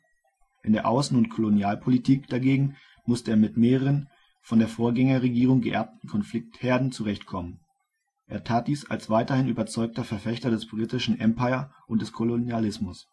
In der Außen - und Kolonialpolitik dagegen musste er mit mehreren von der Vorgängeregierung geerbten Konfliktherden zurecht kommen. Er tat dies als weiterhin überzeugter Verfechter des Britischen Empire und des Kolonialismus